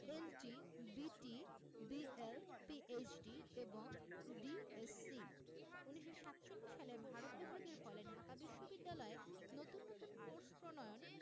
LT BT BL PhD এবং DSc ১৯৪৭ সালে ভারত বিভাগের ফলে ঢাকা বিশ্ববিদ্যালয়ে নতুন নতুন কোর্স প্রণয়ন